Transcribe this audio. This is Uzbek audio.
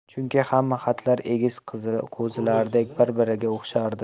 chunki hamma xatlar egiz qo'zilardek bir biriga o'xshardi